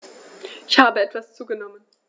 Ich habe etwas zugenommen